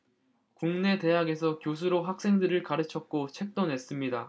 국내 대학에서 교수로 학생들을 가르쳤고 책도 냈습니다